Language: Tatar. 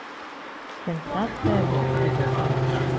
Сенсация бу! - диде Саматов.